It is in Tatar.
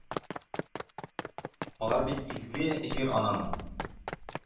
Алар бит изге җир-ананың